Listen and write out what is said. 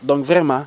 donc vraiment